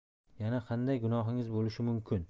yana qanday gunohingiz bo'lishi mumkin